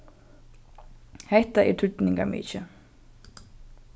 hetta er týdningarmikið